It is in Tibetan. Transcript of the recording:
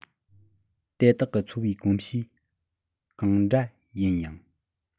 དེ དག གི འཚོ བའི གོམས གཤིས གང འདྲ ཡིན ཡང